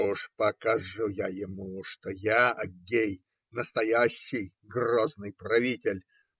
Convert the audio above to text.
"Уж покажу я ему, что я Аггей - настоящий, грозный правитель.